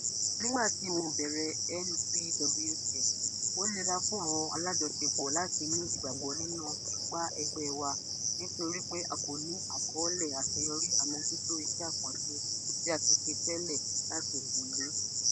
Nígbàtí mo bẹ̀rẹ̀ YPWC, ó nira fún àwọn alájọṣepọ̀ láti ní ìgbàgbọ́ nínú ipá ẹgbẹ́ wa nítorí pé a kò ní àkọ́ọ́lẹ̀ àṣeyọrí àmójútó iṣẹ́ àkànṣe tí a ti ṣe tẹ́lẹ̀ láti gùn lé.